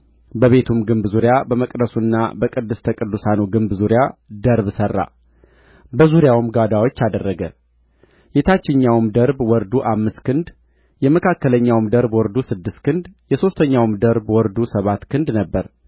በቤቱም ግንብ ዙሪያ በመቅደሱና በቅድስተ ቅዱሳኑ ግንብ ዙሪያ ደርብ ሠራ በዙሪያውም ጓዳዎች አደረገ የታችኛውም ደርብ ወርዱ አምስት ክንድ የመካከለኛው ደርብ ወርዱ ስድስት ክንድ የሦስተኛውም ደርብ ወርዱ ሰባት ክንድ ነበረ